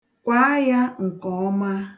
Kwaa ya ka ọ maa mma.